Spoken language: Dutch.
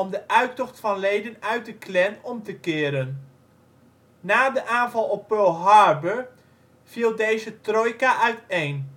de uittocht van leden uit de Klan om te keren. Na de aanval op Pearl Harbor viel deze trojka uiteen